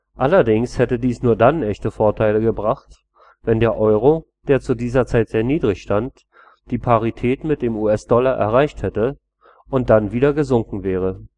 Allerdings hätte dies nur dann echte Vorteile gebracht, wenn der Euro – der zu dieser Zeit sehr niedrig stand – die Parität mit dem US-Dollar erreicht hätte und dann wieder gesunken wäre